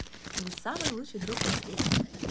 вы самый лучший друг на свете